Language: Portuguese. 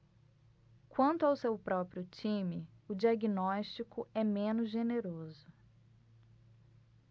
quanto ao seu próprio time o diagnóstico é menos generoso